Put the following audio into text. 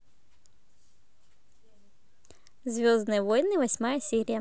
звездные войны восьмая серия